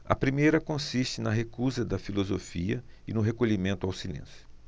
a primeira consiste na recusa da filosofia e no recolhimento ao silêncio